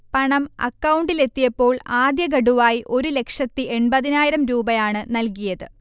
പണം അക്കൗണ്ടിലെത്തിയപ്പോൾ ആദ്യഖഡുവായി ഒരു ലക്ഷത്തി എണ്പതിനായിരം രൂപയാണ് നൽകിയത്